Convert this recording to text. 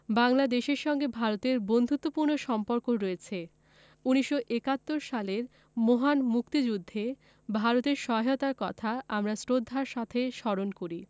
বাংলাদেশের সঙ্গে ভারতের বন্ধুত্তপূর্ণ সম্পর্ক রয়ছে ১৯৭১ সালের মহান মুক্তিযুদ্ধে ভারতের সহায়তার কথা আমরা শ্রদ্ধার সাথে স্মরণ করি